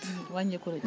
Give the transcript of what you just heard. wàññeeku na